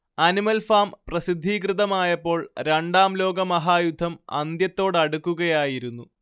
animal Farm പ്രസിദ്ധീകൃതമായപ്പോൾ രണ്ടാം ലോകമഹായുദ്ധം അന്ത്യത്തോടടുക്കുകയായിരുന്നു